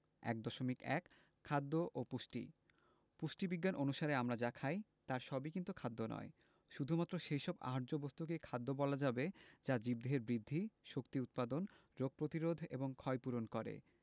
১.১ খাদ্য ও পুষ্টি পুষ্টিবিজ্ঞান অনুসারে আমরা যা খাই তার সবই কিন্তু খাদ্য নয় শুধুমাত্র সেই সব আহার্য বস্তুকেই খাদ্য বলা যাবে যা জীবদেহে বৃদ্ধি শক্তি উৎপাদন রোগ প্রতিরোধ এবং ক্ষয়পূরণ করে